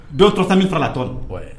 Dɔw toratami fara tɔɔrɔ' ye